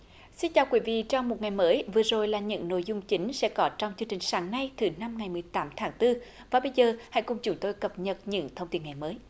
xin chào quý vị trong một ngày mới vừa rồi là những nội dung chính sẽ có trong chương trình sáng nay thứ năm ngày mười tám tháng tư và bây giờ hãy cùng chúng tôi cập nhật những thông tin ngày mới